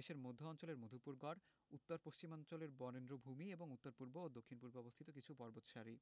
দেশের মধ্য অঞ্চলের মধুপুর গড় উত্তর পশ্চিমাঞ্চলের বরেন্দ্রভূমি এবং উত্তর পূর্ব ও দক্ষিণ পূর্বে অবস্থিত কিছু পর্বতসারি